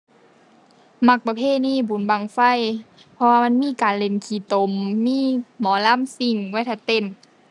มักประเพณีบุญบั้งไฟ เพราะว่ามันมีการเล่นขี้ตม มีหมอลำซิ่งไว้ท่าเต้น